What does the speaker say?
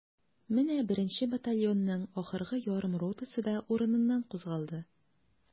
Менә беренче батальонның ахыргы ярым ротасы да урыныннан кузгалды.